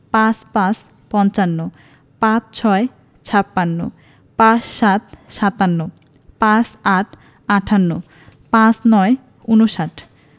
৫৫ – পঞ্চান্ন ৫৬ – ছাপ্পান্ন ৫৭ – সাতান্ন ৫৮ – আটান্ন ৫৯ - ঊনষাট